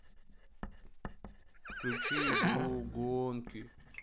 включи игру гонки